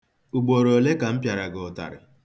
Ugboro ole ka m pịara gị ụtarị?